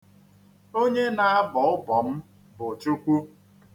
Onye na-abọ ụbọ m bụ Chukwu.